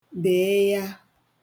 bị̀ịya